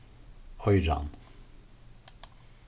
oyran